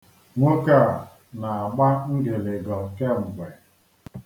Nwoke a na-agba ngiḷịgọ kemgbe.